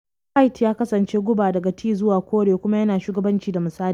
Spieth ya kasance guba daga tee zuwa kore kuma yana shugabanci da misali.